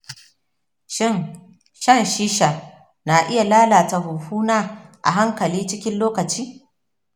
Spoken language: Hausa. shin shan shisha na iya lalata huhuna a hankali cikin lokaci?